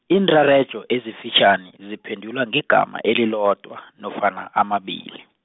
iinrarejo ezifitjhani, ziphendulwa ngegama elilodwa, nofana amabili.